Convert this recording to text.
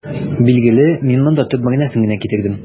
Билгеле, мин монда төп мәгънәсен генә китердем.